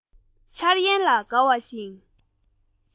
འཆར ཡན ལ དགའ བ བཞིན